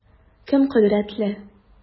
Кем кодрәтле?